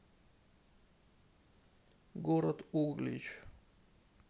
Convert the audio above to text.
город углич